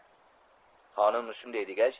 xonim shunday degach